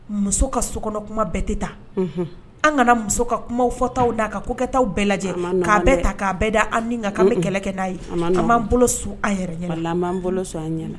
Muso ka sokɔnɔ kuma bɛɛ te taa unhun an ŋana muso ka kumaw fɔtaw n'a ka ko kɛtaw bɛɛ lajɛ a ma nɔgɔn dɛ k'a bɛɛ ta k'a bɛɛ da an nin kan k'an be kɛlɛ kɛ n'a ye a ma nɔgɔn an b'an bolo su an yɛrɛ ɲɛna walahi an b'an bolo su an ɲɛna